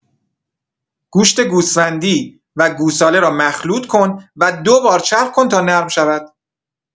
گوشت گوسفندی و گوساله را مخلوط‌کن و دو بار چرخ کن تا نرم شود.